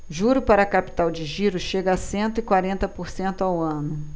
juro para capital de giro chega a cento e quarenta por cento ao ano